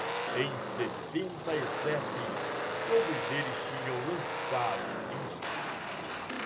em setenta e sete todos eles tinham lançado discos